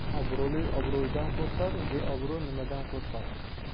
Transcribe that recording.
obro'li obro'yidan qo'rqar beobro' nimadan qo'rqar